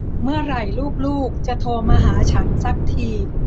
เมื่อไรลูกลูกจะโทรมาหาฉันซักที